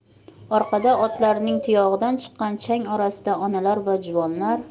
orqada otlarning tuyog'idan chiqqan chang orasida onalar va juvonlar